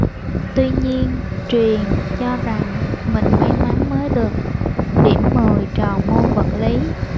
tuy nhiên truyền cho rằng mình may mắn mới được điểm mười tròn môn vật lý